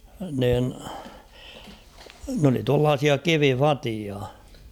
niin ne oli tuollaisia kivivateja